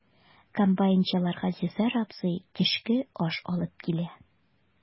Комбайнчыларга Зөфәр абзый төшке аш алып килә.